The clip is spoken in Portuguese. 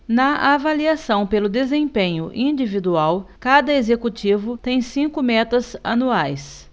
na avaliação pelo desempenho individual cada executivo tem cinco metas anuais